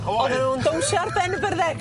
O ie? O'n nw'n downsio ar ben y byrdde...